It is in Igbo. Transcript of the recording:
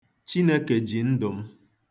Chineke ji ndụ m.